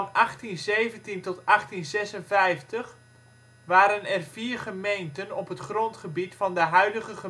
1817 tot 1856 waren er vier gemeenten op het grondgebied van de huidige